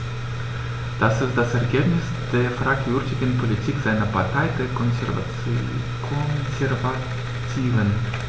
Das ist das Ergebnis der fragwürdigen Politik seiner Partei, der Konservativen.